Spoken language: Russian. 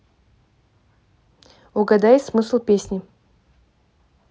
угадай смысл песни